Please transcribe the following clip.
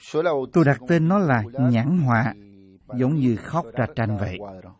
tôi đặt tên nó là nhãn hòa giống như khóc ra tranh vậy đó